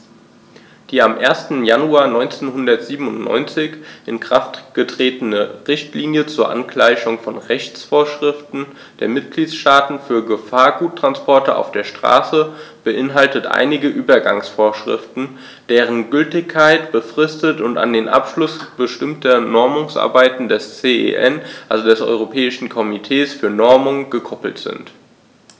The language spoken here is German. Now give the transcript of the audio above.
Die am 1. Januar 1997 in Kraft getretene Richtlinie zur Angleichung von Rechtsvorschriften der Mitgliedstaaten für Gefahrguttransporte auf der Straße beinhaltet einige Übergangsvorschriften, deren Gültigkeit befristet und an den Abschluss bestimmter Normungsarbeiten des CEN, also des Europäischen Komitees für Normung, gekoppelt ist.